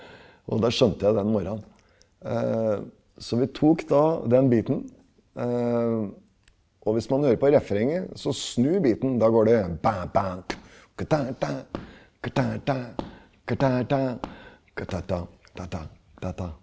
og det skjønte jeg den morgenen, så vi tok da den beaten og hvis man hører på refrenget så snur beaten, da går det .